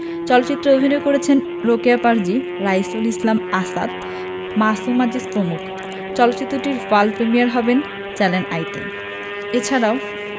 চলচ্চিত্রে অভিনয় করেছেন রোকেয়া প্রাচী রাইসুল ইসলাম আসাদ মাসুম আজিজ প্রমুখ চলচ্চিত্রটির ওয়ার্ল্ড প্রিমিয়ার হবে চ্যানেল আইতে এ ছাড়া